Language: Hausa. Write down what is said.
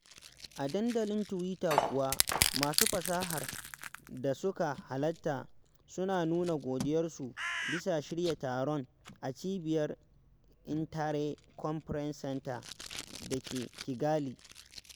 A dandalin Tiwata kuwa, masu fasahar da suka halatta sun nuna godiyarsu bisa shirya taron a cibiyar 'Intare conference center' da ke Kigali.